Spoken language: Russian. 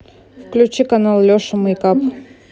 включи канал леша мэйкап